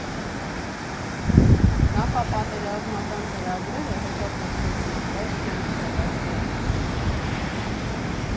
Նախապատերազմական ծրագրերը հետաձգվեցին, բայց չեն չեղարկվել։